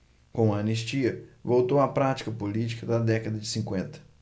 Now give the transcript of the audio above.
com a anistia voltou a prática política da década de cinquenta